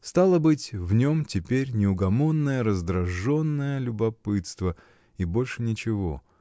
Стало быть, в нем теперь неугомонное, раздраженное любопытство — и больше ничего.